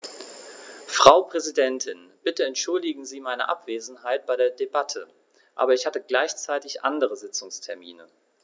Frau Präsidentin, bitte entschuldigen Sie meine Abwesenheit bei der Debatte, aber ich hatte gleichzeitig andere Sitzungstermine.